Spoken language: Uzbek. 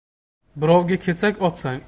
birovga kesak otsang